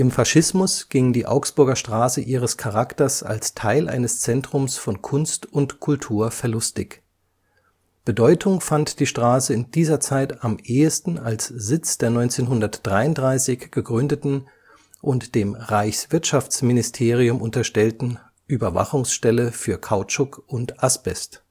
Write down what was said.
Faschismus ging die Augsburger Straße ihres Charakters als Teil eines Zentrums von Kunst und Kultur verlustig. Bedeutung fand die Straße in dieser Zeit am ehesten als Sitz der 1933 gegründeten und dem Reichswirtschaftsministerium unterstellten Überwachungsstelle für Kautschuk und Asbest